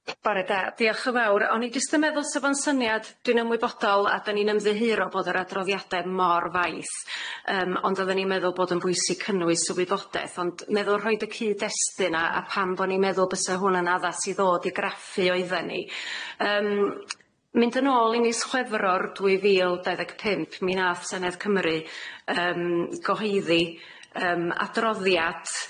Bore da diolch yn fawr o'n i jyst yn meddwl sa fo'n syniad dwi'n ymwybodol a dyn ni'n ymddiheuro bod yr adroddiade mor faith yym ond oddan ni'n meddwl bod yn bwysig cynnwys y wyddodeth ond meddwl rhoid y cyd-destun a a pam bo' ni'n meddwl bysa hwn yn addas i ddod i graffu oeddani yym mynd yn ôl i mis Chwefror dwy fil dau ddeg pump mi nath Senedd Cymru yym gyhoeddi yym adroddiad.